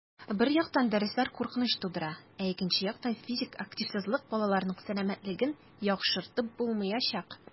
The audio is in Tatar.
Бер яктан, дәресләр куркыныч тудыра, ә икенче яктан - физик активлыксыз балаларның сәламәтлеген яхшыртып булмаячак.